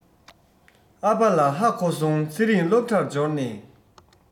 ཨ ཕ ལ ཧ གོ སོང ཚེ རིང སློབ གྲྭར འབྱོར ནས